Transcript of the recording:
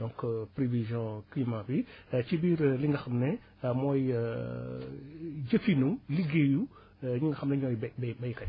donc prévision climat bi ci biir li nga xam ne mooy jëfinu liggéeyu ñi nga xam ne ñooy bay baykat yi